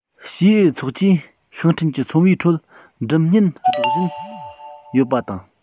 བྱེའུ ཡི ཚོགས ཀྱིས ཤིང ཕྲན གྱི ཚོམ བུའི ཁྲོད མགྲིན སྙན སྒྲོག བཞིན ཡོད པ དང